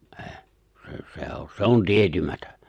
ei se se on se on tietämätön